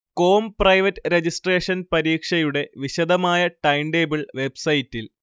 com private registration പരീക്ഷയുടെ വിശദമായ timetable വെബ്സൈറ്റിൽ